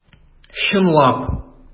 Чынлап!